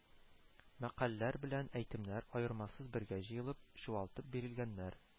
Мәкальләр белән әйтемнәр аермасыз бергә җыелып, чуалтып бирелгәннәр